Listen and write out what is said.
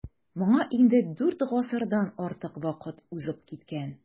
Моңа инде дүрт гасырдан артык вакыт узып киткән.